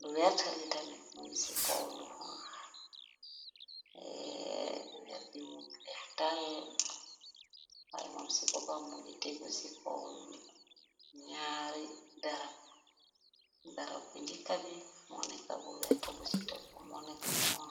Lu weertalitamet mungi ci kaw lu xonxa. Weer bi mu gi weex tal waaye moom ci poppa mu gi teggu ci kaw lu ñaari darab, darab bu njikka bi moneka bu werta bu ci tegu moneka bu xonxa.